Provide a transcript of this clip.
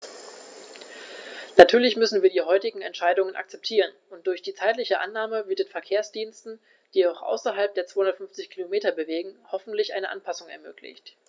Natürlich müssen wir die heutige Entscheidung akzeptieren, und durch die zeitliche Ausnahme wird den Verkehrsdiensten, die sich außerhalb der 250 Kilometer bewegen, hoffentlich eine Anpassung ermöglicht.